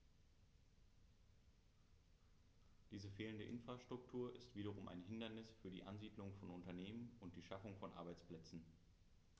Diese fehlende Infrastruktur ist wiederum ein Hindernis für die Ansiedlung von Unternehmen und die Schaffung von Arbeitsplätzen.